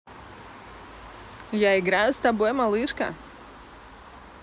я играю с тобой малышка